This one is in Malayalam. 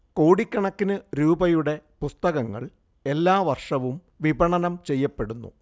കോടിക്കണക്കിന് രൂപയുടെ പുസ്തകങ്ങൾ എല്ലാ വർഷവും വിപണനം ചെയ്യപ്പെടുന്നു